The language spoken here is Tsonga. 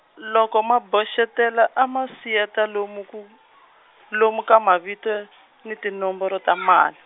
loko ma boxetela a ma siyeta lomu ku-, lomu ka mavito , ni tinomboro ta mali.